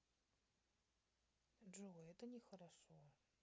джой это не хорошо